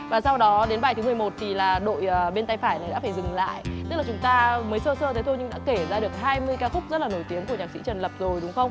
và sau đó đến bài thứ mười một thì là đội ờ bên tay phải này đã phải dừng lại tức là chúng ta mới sơ sơ thế thôi nhưng đã kể ra được hai mươi ca khúc rất là nổi tiếng của nhạc sĩ trần lập rồi đúng không